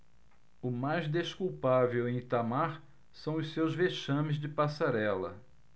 o mais desculpável em itamar são os seus vexames de passarela